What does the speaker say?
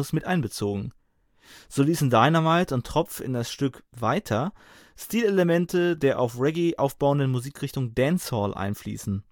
mit einbezogen. So ließen Dynamite und Tropf in das Stück Weiter Stilelemente der auf Reggae aufbauende Musikrichtung Dancehall einfließen